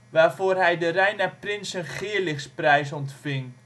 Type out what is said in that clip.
waarvoor hij de Reina Prinsen Geerligsprijs ontving